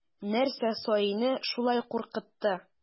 Нәрсә саине шулай куркытты?